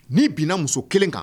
N' bɛnna muso kelen kan